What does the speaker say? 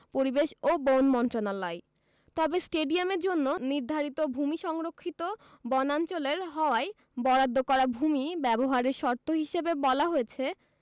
পরিবেশ ও বন মন্ত্রণালয় তবে স্টেডিয়ামের জন্য নির্ধারিত ভূমি সংরক্ষিত বনাঞ্চলের হওয়ায় বরাদ্দ করা ভূমি ব্যবহারের শর্ত হিসেবে বলা হয়েছে